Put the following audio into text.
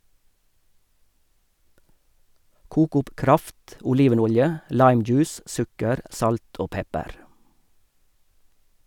Kok opp kraft, olivenolje, limejuice, sukker, salt og pepper.